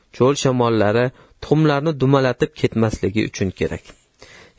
cho'l shamollari tuxumlarni dumalatib ketmasligi uchun kerak